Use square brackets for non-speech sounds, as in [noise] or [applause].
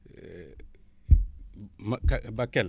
[hesitation] [noise] ma ka Bakel